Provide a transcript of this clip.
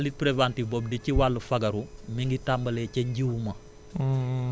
voilà la lutte préventive boobu di ci wàllu fagaru mi ngi tàmbalee ca njiw ma